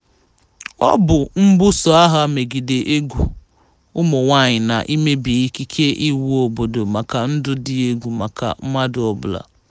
Ọ bụ mbuso agha megide ùgwù ụmụ nwaanyị na imebi ikike iwu obodo maka ndụ dị ùgwù maka mmadụ ọ bụla.